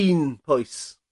un pwys.